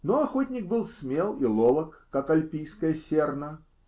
Но охотник был смел и ловок, как альпийская серна.